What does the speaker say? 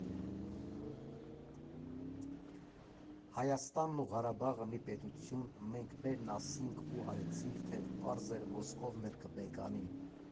Հայաստանն ու Ղարաբաղը՝ մի պետություն, մենք մերն ասինք ու արեցինք, թեև պարզ էր՝ Մոսկովն էլի կբեկանի։